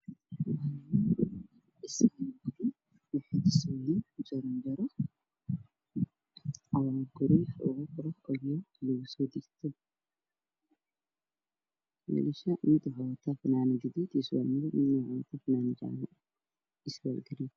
Waa guri la dhisaayo niman ayaa dulsar saaran al waaxda ayey hayaan bulkeed ayuu ka kooban yahay